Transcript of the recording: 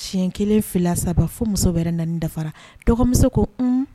Siɲɛ kelen fila saba fo muso wɛrɛ na dafara dɔgɔmuso ko un